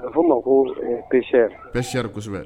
A' ma ko p pri kosɛbɛ